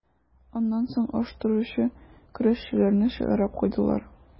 Аннан соң ач торучы көрәшчеләрне чыгарып куйдылар.